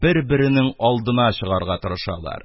Бер-беренең алдына чыгарга тырышалар,